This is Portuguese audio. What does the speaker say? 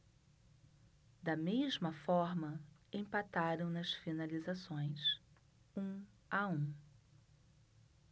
da mesma forma empataram nas finalizações um a um